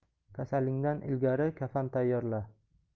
kasalingdan ilgari kafan tayyorla